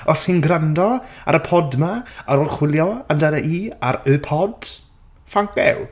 Os chi'n gwrando, ar y pod 'ma, ar ôl chwilio amdana i ar Y Pod thank you.